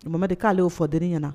Mama k'ale y'o fɔ denin ɲɛna!